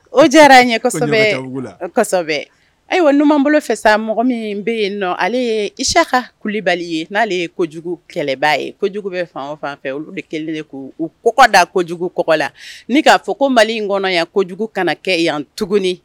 O diyara ɲɛ kosɛbɛ ayiwa n ɲumanuma bolo fɛsa mɔgɔ min bɛ yen ale isa kalibali ye n'ale ye kojugu kɛlɛba ye kojugu bɛ fan fan fɛ olu de kɛlen de k' u kɔkɔ da kojugu kɔ la ni k'a fɔ ko mali in kɔnɔ yan kojugu kana kɛ yan tuguni